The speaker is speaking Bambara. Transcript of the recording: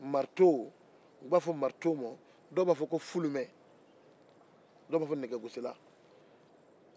dɔw b'a fo marito ma ko fulumɛ dɔw b'a fo nɛgɛgosilan